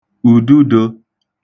ùdudō